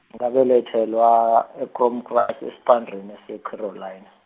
ngabelethelwa, e- Kroomkrans esiphandeni se- Carolina.